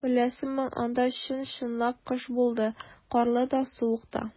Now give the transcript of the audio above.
Беләсеңме, анда чын-чынлап кыш булды - карлы да, суык та.